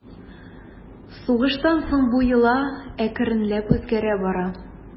Сугыштан соң бу йола әкренләп үзгәрә бара.